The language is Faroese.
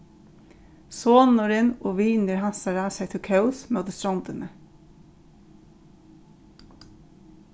sonurin og vinir hansara settu kós móti strondini